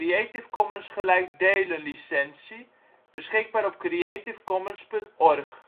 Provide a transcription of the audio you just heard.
06 ' NB, 6° 22 ' OL